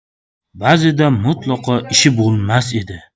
ba'zida mutlaqo ishi bo'lmasdi